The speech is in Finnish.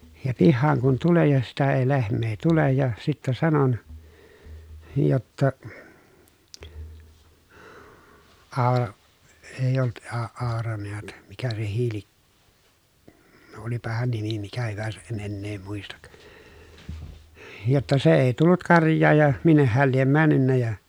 ja pihaan kun tulen ja sitä ei lehmää tule ja sitten sanoin jotta - ei ollut - Aura näet mikä se Hiili no olipa hänen nimi mikä hyvänsä en enää muista jotta se ei tullut karjaan ja minne hän lie mennyt ja